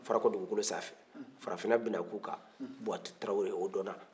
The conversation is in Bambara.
farakɔ dugukolo sanfɛ farafinna binaku kan buwatu taarawele o dɔnna